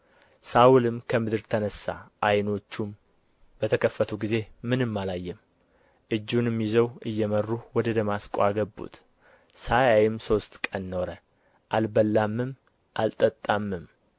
ሳውልም ከምድር ተነሣ አይኖቹም በተከፈቱ ጊዜ ምንም አላየም እጁንም ይዘው እየመሩ ወደ ደማስቆ አገቡት ሳያይም ሦስት ቀን ኖረ አልበላምም አልጠጣምም